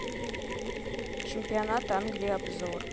чемпионат англии обзор